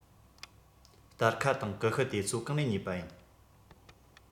སྟར ཁ དང ཀུ ཤུ དེ ཚོ གང ནས ཉོས པ ཡིན